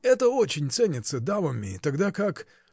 Это очень ценится дамами, тогда как.